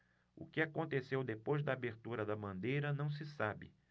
o que aconteceu depois da abertura da bandeira não se sabe